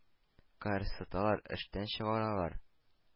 Кыерсыталар, эштән чыгаралар.